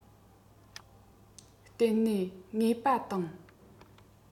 གཏད གནས ངེས པ དང